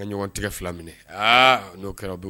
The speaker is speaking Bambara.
A ye ɲɔgɔn tɛgɛ 2 minɛ, aa n'o kɛra